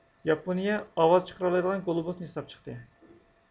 ياپونىيە ئاۋاز چىقىرالايدىغان گولوبۇسنى ياساپ چىقتى